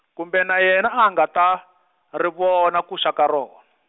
kumbe na yena a a nga ta, ri vona ku xa ka ron-.